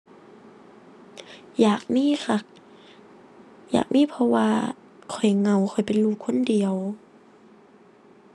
อยากมีคัก อยากมีเพราะว่าข้อยเหงา ข้อยเป็นลูกคนเดียว